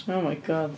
Oh my God.